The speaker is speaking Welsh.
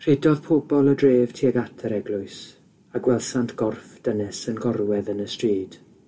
Rhedodd pobol y dref tuag at yr eglwys a gwelsant gorff dynes yn gorwedd yn y stryd.